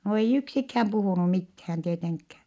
no ei yksikään puhunut mitään tietenkään